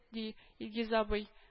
Ди, илгиз абый